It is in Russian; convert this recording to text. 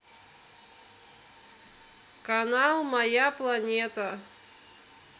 канал моя планета